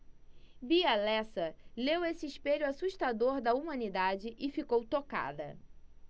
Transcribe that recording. bia lessa leu esse espelho assustador da humanidade e ficou tocada